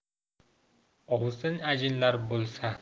ovsin ajinlar bo'lsa